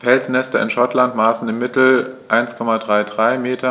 Felsnester in Schottland maßen im Mittel 1,33 m x